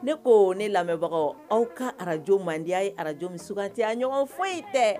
Ne ko ne lamɛnbagaw aw ka radio mandi,a ye radio suganti. a ɲɔgɔn foyi tɛ yen.